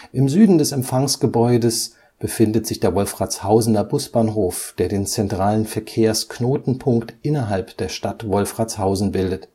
Im Süden des Empfangsgebäudes befindet sich der Wolfratshausener Busbahnhof, der den zentralen Verkehrsknotenpunkt innerhalb der Stadt Wolfratshausen bildet